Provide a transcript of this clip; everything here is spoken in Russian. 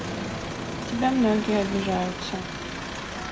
тебя многие обижаются